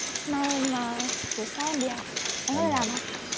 mai em buổi sáng em đi học anh có đi làm không